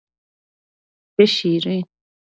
چه شیرین